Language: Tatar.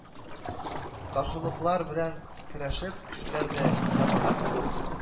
Каршылыклар белән көрәшеп кешеләр дә яңара